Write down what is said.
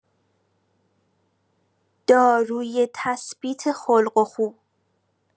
داروی تثبیت خلق و خو